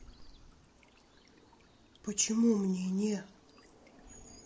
почему мне не